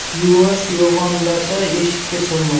yuvosh yo'g'onlasa eshikka sig'mas